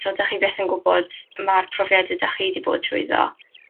t'od 'dach chi byth yn gwbod ma'r profiade 'dach chi 'di bod trwyddo,